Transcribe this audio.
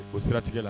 O siratigɛ la